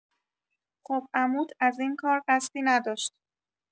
خب، عموت از این کار قصدی نداشت.